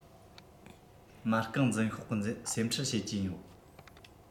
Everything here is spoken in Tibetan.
མ རྐང འཛིན ཤོག གི འཛིན སེམས ཁྲལ བྱེད ཀྱིན ཡོད